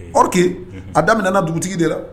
Hke a damin dugutigi de la